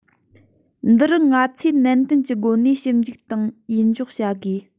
འདིར ང ཚོས ནན ཏན གྱི སྒོ ནས ཞིབ འཇུག དང ཡིད འཇོག བྱ དགོས